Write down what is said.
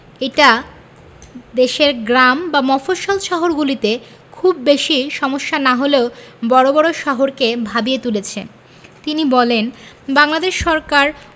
এটা দেশের গ্রাম বা মফস্বল শহরগুলোতে খুব বেশি সমস্যা না হলেও বড় বড় শহরকে ভাবিয়ে তুলেছে তিনি বলেন বাংলাদেশ সরকার